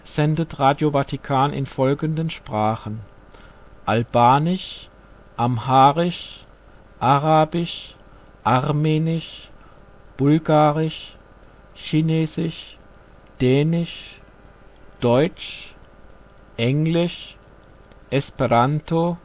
sendet Radio Vatikan in folgenden Sprachen: Albanisch, Amharisch, Arabisch, Armenisch, Bulgarisch, Chinesisch, Dänisch, Deutsch, Englisch, Esperanto